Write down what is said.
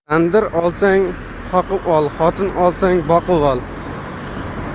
tandir olsang qoqib ol xotin olsang boqib ol